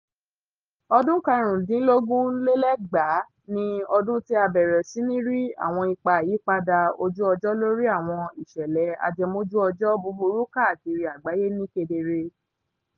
2015 ni ọdún tí a ti bẹ̀rẹ̀ sí ní rí àwọn ipa àyípadà ojú-ọjọ́ lórí àwọn ìṣẹ̀lẹ̀ ajẹmójú-ọjọ́ búburú káàkiri àgbáyé ní kedere.